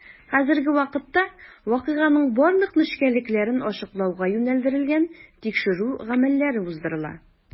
Хәзерге вакытта вакыйганың барлык нечкәлекләрен ачыклауга юнәлдерелгән тикшерү гамәлләре уздырыла.